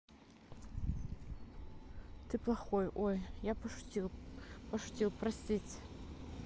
ты плохой ой я пошутил пошутил простить